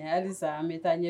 Halisa an bɛ taa ɲɛ